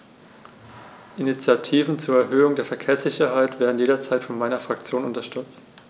Initiativen zur Erhöhung der Verkehrssicherheit werden jederzeit von meiner Fraktion unterstützt.